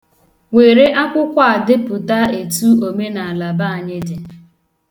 Were akwụkwọ a depụta etu omenaala be anyị dị.